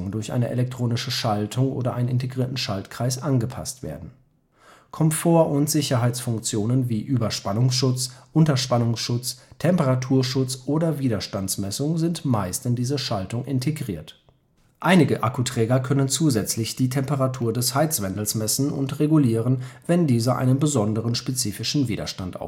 durch eine elektronische Schaltung, oder einen integrierten Schaltkreis angepasst werden. Komfort - und Sicherheitsfunktionen (Überspannungsschutz, Unterspannungsschutz, Temperaturschutz, Widerstandsmessung) sind meist in diese Schaltungen integriert. Einige Akkuträger können zusätzlich die Temperatur des Heizwendels messen und regulieren, wenn dieser einen besonderen spezifischer Widerstand